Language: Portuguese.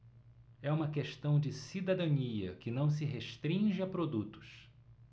é uma questão de cidadania que não se restringe a produtos